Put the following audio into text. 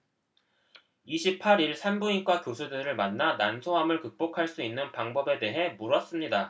이십 팔 일 산부인과 교수들을 만나 난소암을 극복할 수 있는 방법에 대해 물었습니다